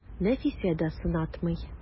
Нәфисә дә сынатмый.